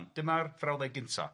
Dyma'r frawddeg gynta.